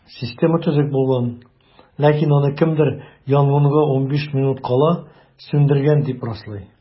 Система төзек булган, ләкин аны кемдер янгынга 15 минут кала сүндергән, дип раслый.